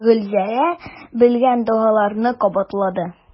Гөлзәрә белгән догаларын кабатлады.